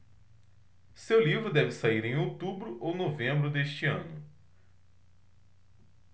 seu livro deve sair em outubro ou novembro deste ano